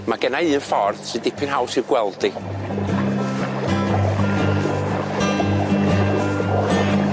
Ma' gennai un ffordd sy dipyn haws i'w gweld 'i.